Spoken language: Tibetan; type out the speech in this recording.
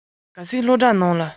བོད ཡིག ཀྱང ཀླད ཀོར